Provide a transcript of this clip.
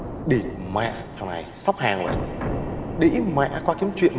địt mẹ thằng này xốc hàng rồi đĩ mẹ qua kiếm chuyện